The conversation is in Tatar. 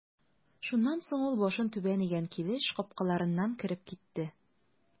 Шуннан соң ул башын түбән игән килеш капкаларыннан кереп китте.